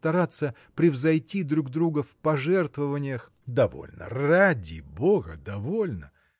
стараться превзойти друг друга в пожертвованиях. – Довольно, ради бога, довольно!